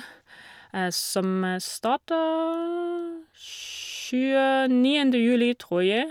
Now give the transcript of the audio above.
Som starter tjueniende juli, tror jeg.